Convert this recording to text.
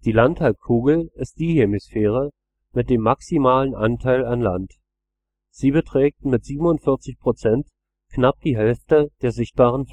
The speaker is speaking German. Landhalbkugel ist die Hemisphäre mit dem maximalen Anteil an Land. Er beträgt mit 47 % knapp die Hälfte der sichtbaren